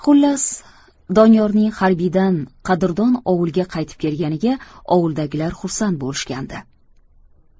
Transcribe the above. xullas doniyorning harbiydan qadrdon ovulga qaytib kelganiga ovuldagilar xursand bo'lishgandi